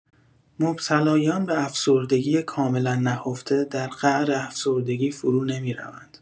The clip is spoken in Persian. مبتلایان به افسردگی کاملا نهفته در قعر افسردگی فرو نمی‌روند.